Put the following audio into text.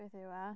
Beth yw e?